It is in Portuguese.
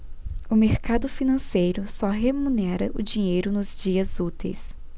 o mercado financeiro só remunera o dinheiro nos dias úteis